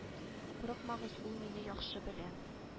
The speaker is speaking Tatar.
Курыкмагыз ул мине яхшы белә